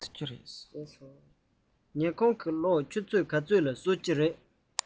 ཉལ ཁང གི གློག ཆུ ཚོད ག ཚོད ལ གསོད ཀྱི རེད